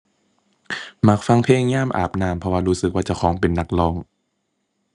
มักฟังเพลงยามอาบน้ำ เพราะว่า รู้สึกว่าเจ้าของเป็นนักร้อง